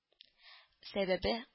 Сәбәбе